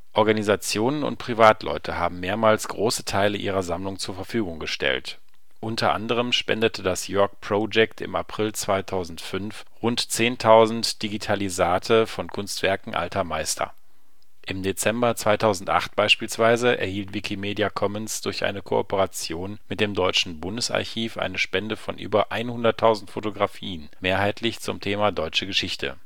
Organisationen und Privatleute haben mehrmals große Teile ihrer Sammlung zur Verfügung gestellt. Unter anderem spendete das YorckProject im April 2005 rund 10.000 Digitalisate von Kunstwerken alter Meister. Im Dezember 2008 beispielsweise erhielt Wikimedia Commons durch eine Kooperation mit dem deutschen Bundesarchiv eine Spende von über 100.000 Fotografien – mehrheitlich zum Thema deutsche Geschichte